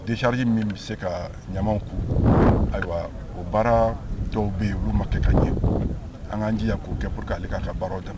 Disariji min bɛ se ka ɲaw kun ayiwa o baara dɔw bɛ yen u ma kɛ ka ɲɛ an ka nci k'o kɛuru ale k'a ka baara dɛmɛ